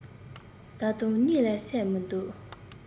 ད དུང གཉིད ལས སད མི འདུག